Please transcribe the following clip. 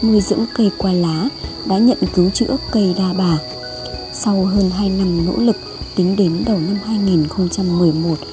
nuôi dưỡng cây qua lá đã nhận cứu chữa cây đa bà sau hơn năm nỗ lực tính đến đầu năm